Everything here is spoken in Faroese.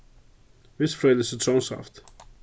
vistfrøðilig sitrónsaft